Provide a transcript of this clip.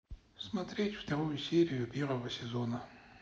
смотреть вторую серию первого сезона